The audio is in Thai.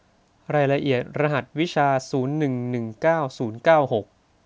รายละเอียดรหัสวิชาศูนย์หนึ่งหนึ่งเก้าศูนย์เก้าหก